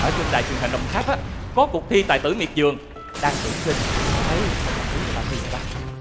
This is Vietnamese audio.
ở trên đài truyền hình đồng tháp á có cuộc thi tài tử miệt vườn đang tuyển sinh con thấy con đăng kí cho ba thi nghe ba